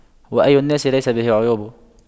وأي الناس ليس به عيوب